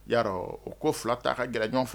Y'a u ko fila ta ka gɛlɛn ɲɔgɔn fɛ